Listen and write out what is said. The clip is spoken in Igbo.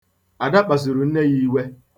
Ada kpasuru nne ya iwe.